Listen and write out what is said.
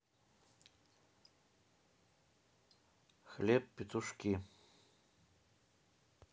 хлеб петушки